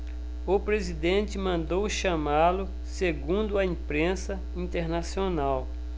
o presidente mandou chamá-lo segundo a imprensa internacional